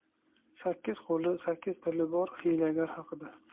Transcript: sakkiz qo'li sakkiz tili bor hiylagar haqida